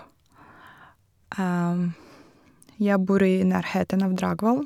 Jeg bor i nærheten av Dragvoll.